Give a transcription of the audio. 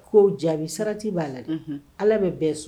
Kow jaabi sarati b'a la dɛ unhun Ala be bɛɛ s